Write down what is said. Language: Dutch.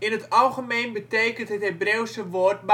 het algemeen betekent het Hebreeuwse woord